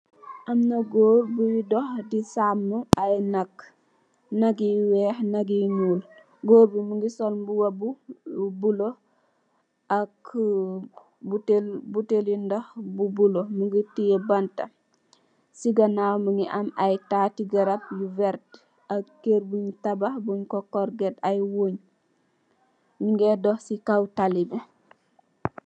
An na goor buy dox di saamu ay nak, nak gi weex, nak gi ñuul. Goor bi mu ngi sol, mbuba bu bulo, ak tiye butel li ndox bu bulo. Mu tiye banta. Si ganaaw mu ngi am ay taati garab yu werta, ak kér buñg tabax, ñung ko korget korget ay weñg. Ñu ngee dox si kow talibi.